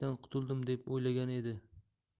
yo'g'on bekdan qutuldim deb o'ylagan edi